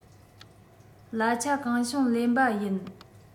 གླ ཆ གང བྱུང ལེན པ ཡིན